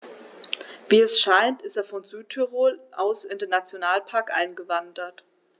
Wie es scheint, ist er von Südtirol aus in den Nationalpark eingewandert.